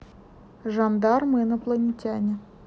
жандармы инопланетяне